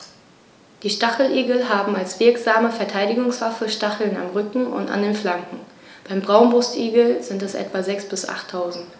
Die Stacheligel haben als wirksame Verteidigungswaffe Stacheln am Rücken und an den Flanken (beim Braunbrustigel sind es etwa sechs- bis achttausend).